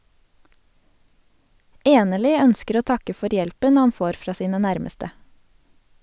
Enerly ønsker å takke for hjelpen han får fra sine nærmeste.